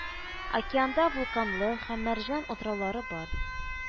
Океанда вулканлы һәм мәрҗән утраулары бар